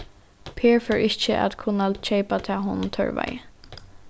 per fór ikki at kunna keypa tað honum tørvaði